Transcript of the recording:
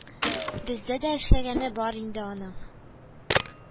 Бездә дә эшләгәне бар инде аның